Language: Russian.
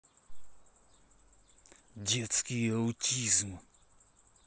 детский аутизм